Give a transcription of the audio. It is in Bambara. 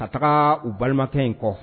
Ka taga u balimakɛ in kɔ